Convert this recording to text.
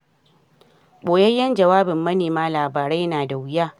Boyayyen jawabin manema labarai na da wuya.